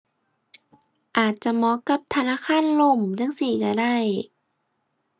อาจจะเหมาะกับธนาคารล่ม จั่งซี้ก็ได้